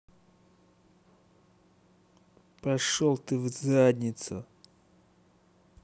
пошел ты в задницу